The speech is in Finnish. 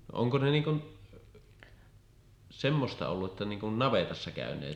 onko ne niin kuin semmoista ollut että niin kuin navetassa käyneet